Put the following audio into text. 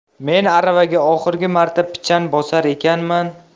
men aravaga oxirgi marta pichan bosar ekanman